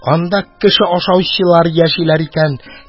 Анда кеше ашаучылар яшиләр икән.